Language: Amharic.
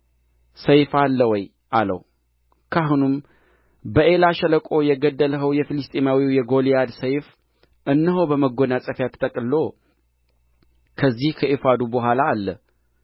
ሰይፍ አለ ወይ አለው ካህኑም በኤላ ሸለቆ የገደልኸው የፍልስጥኤማዊው የጎልያድ ሰይፍ እነሆ በመጎናጸፊያ ተጠቅልሎ ከዚህ ከኤፉዱ በኋላ አለ